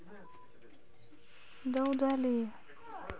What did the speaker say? да удали